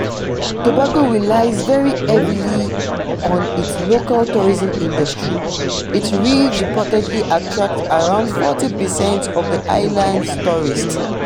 Tobago relies very heavily on its local tourism industry; its reefs reportedly attract around 40 per cent of the island's tourists.